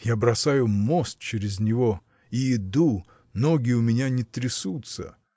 Я бросаю мост чрез него и иду, ноги у меня не трясутся.